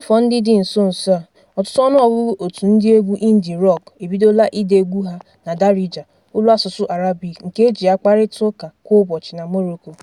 N'afọ ndị dị nso nso a, ọtụtụ ọnụọgụgụ òtù ndịegwu indie rọk ebidola ide egwu ha na Darija, olu asụsụ Arabik nke e ji akparịtaụka kwa ụbọchị na Morocco.